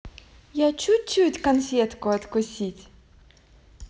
а чуть чуть конфетку откусить